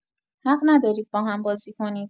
حق ندارید با هم‌بازی کنید.